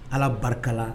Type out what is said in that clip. Ala barika